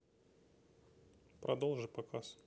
продолжи показ